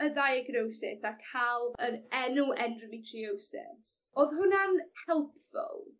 y ddiagnosis a ca'l yn enw endometriosis o'dd hwnna'n helpful